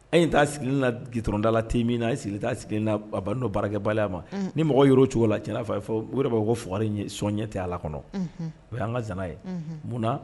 E ɲɛ t'a sigilen na goudron dala thé min na a banni nɔ baarakɛbaliya ma. Un. Ni mɔgɔ ye la o cogo la tiɲɛ na o yɛrɛ b'a fɔ fugari sɔn ɲɛ tɛ ala kɔnɔ o y'an ka zana ye. Unhum. Munna?